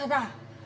thật à